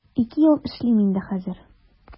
Ике ел эшлим инде хәзер.